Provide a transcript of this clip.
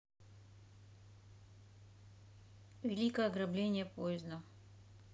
великое ограбление поезда